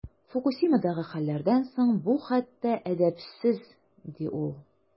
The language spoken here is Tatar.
Фукусимадагы хәлләрдән соң бу хәтта әдәпсез, ди ул.